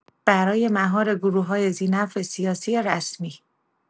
برای مهار گروه‌های ذی‌نفع سیاسی رسمی